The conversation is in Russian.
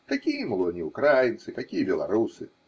Какие, мол, они украинцы, какие белоруссы!